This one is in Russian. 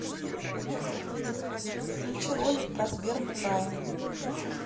включи ролик про сберпрайм